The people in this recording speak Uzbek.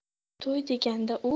to'y deganda u